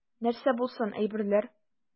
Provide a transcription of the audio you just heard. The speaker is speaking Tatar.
Нәрсә булсын, әйберләр.